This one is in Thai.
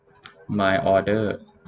มายออเดอร์